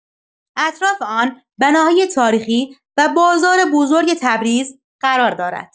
اطراف آن بناهای تاریخی و بازار بزرگ تبریز قرار دارد.